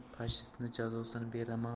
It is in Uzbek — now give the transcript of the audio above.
pashistni jazosini beraman